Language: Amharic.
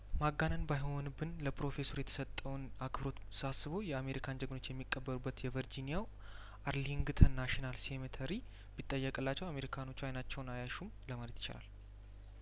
ማጋነን ባይሆንብን ለፕሮፌሰሩ የተሰጠውን አክብሮት ሳስበው የአሜሪካን ጀግኖች የሚቀብሩበት የቨርጂኒያው አር ሊንግተንናሽናል ሴሜ ተሪ ቢጠየቅላቸው አሜሪካኖቹ አይናቸውን አያሹም ለማለት ይቻላል